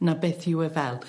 'na beth yw e fel.